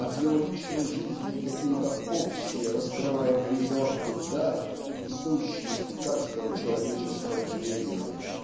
от его личной жизни какие-то общие раскрывая горизонты в даль и сущность каждого человеческого жребия.